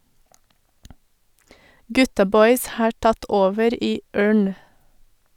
Gutta boys har tatt over i Ørn.